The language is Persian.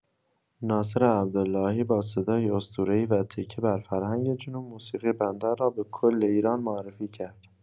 ناصر عبداللهی با صدای اسطوره‌ای و تکیه بر فرهنگ جنوب، موسیقی بندر را به‌کل ایران معرفی کرد.